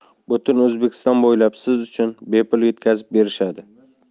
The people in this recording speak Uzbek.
butun o'zbekiston bo'ylab siz uchun bepul yetkazib berishadi